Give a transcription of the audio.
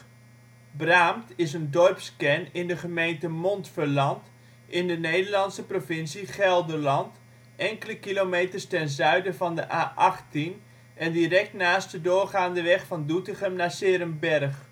Broampt) is een dorpskern in de gemeente Montferland, in de Nederlandse provincie Gelderland, enkele kilometers ten zuiden van de A18 en direct naast de doorgaande weg van Doetinchem naar ' s-Heerenberg